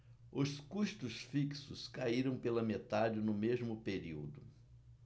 os custos fixos caíram pela metade no mesmo período